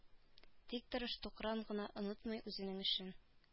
Тик тырыш тукран гына онытмый үзенең эшен